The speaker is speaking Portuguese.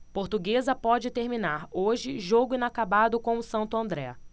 portuguesa pode terminar hoje jogo inacabado com o santo andré